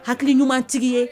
Hakili ɲuman tigi ye